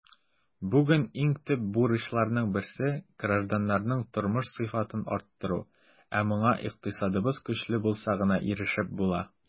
Бүген иң төп бурычларның берсе - гражданнарның тормыш сыйфатын арттыру, ә моңа икътисадыбыз көчле булса гына ирешеп була.